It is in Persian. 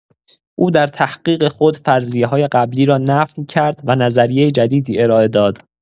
او در تحقیق خود فرضیه‌های قبلی را نفی کرد و نظریه جدیدی ارائه داد.